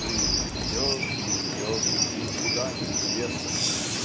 "жизнь идет и идет, а куда - неизвестно"